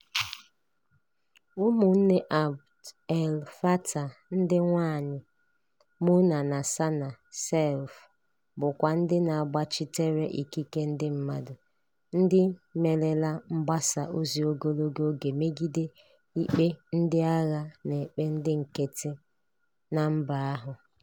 Ụmụnne Abd El Fattah ndị nwaanyi, Mona na Sanaa Seif, bụkwa ndị na-agbachitere ikike ndị mmadụ, ndị merela mgbasa ozi ogologo oge megide ikpe ndị agha na-ekpe ndị nkịtị na mba ahụ.